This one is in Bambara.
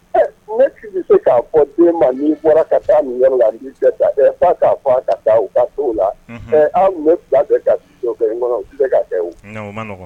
Ne bɛ se k'a fɔ den ma' bɔra ka taa yɛrɛ la fa k' fɔ ka taa u ka la an fila ka kɛ kɔnɔ u tɛ ka kɛ